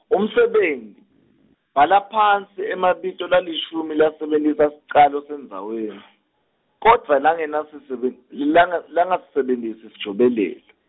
umsebenti , bhala phasi, emabito lalishumi lasebentisa sicalo sandzaweni, kodvwa langenasisebe, langa- langasisebentisi sijobelelo.